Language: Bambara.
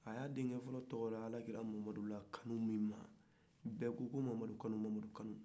a y'a denkɛ fɔlɔ tɔgɔda alakirala kanu min ma bɛɛ ko mamadukanu mamadukanu